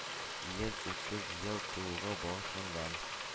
Йөз утыз ел тулуга багышланган.